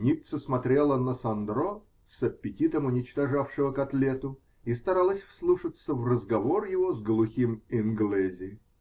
Ницца смотрела на Сандро, с аппетитом уничтожавшего котлету, и старалась вслушаться в разговор его с глухим инглези .